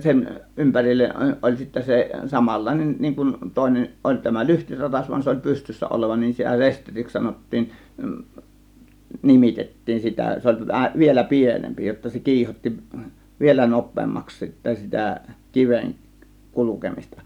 sen ympärille oli sitten se samanlainen niin kun toinen oli tämä lyhtiratas vaan se oli pystyssä oleva niin sitä sesteriksi sanottiin nimitettiin sitä se oli - vähän vielä pienempi jotta se kiihotti vielä nopeammaksi sitten sitä kiven kulkemista